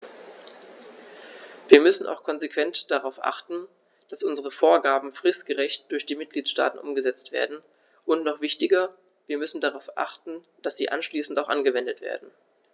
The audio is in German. Wir müssen auch konsequent darauf achten, dass unsere Vorgaben fristgerecht durch die Mitgliedstaaten umgesetzt werden, und noch wichtiger, wir müssen darauf achten, dass sie anschließend auch angewendet werden.